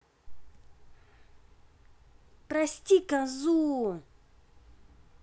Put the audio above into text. прости козу